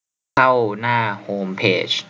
เข้าหน้าโฮมเพจ